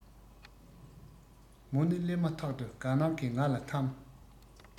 མོ ནི སླེབ མ ཐག ཏུ དགའ སྣང གི ང ལ ཐམས